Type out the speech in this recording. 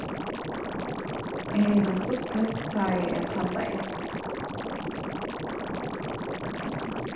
eg hevði tað stuttligt tá ið eg tjaldaði